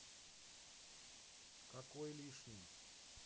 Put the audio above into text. какой лишний